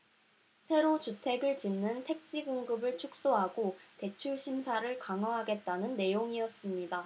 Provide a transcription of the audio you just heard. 새로 주택을 짓는 택지공급을 축소하고 대출 심사를 강화하겠다는 내용이었습니다